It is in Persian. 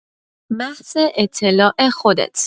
محض اطلاع خودت